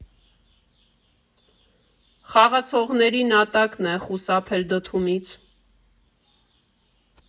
Խաղացողների նատակն է խուսափել դդումից։